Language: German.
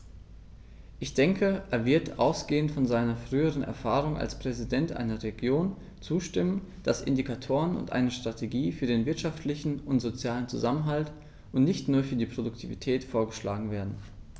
Ich denke, er wird, ausgehend von seiner früheren Erfahrung als Präsident einer Region, zustimmen, dass Indikatoren und eine Strategie für den wirtschaftlichen und sozialen Zusammenhalt und nicht nur für die Produktivität vorgeschlagen werden.